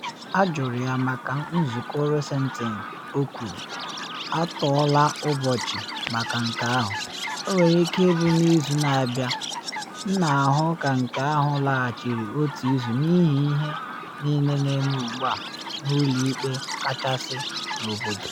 Ajụrụ ya maka nzụkọ Rosentein, o kwuru: “Atọọla ụbọchị maka nke ahụ, ọ nwere ike ịbụ n’izu na abịa, m na ahụ ka nke ahụ laghachiri otu izu n’ihi ihe niile na eme ugbu a na ụlọ ikpe kachasị n’obodo.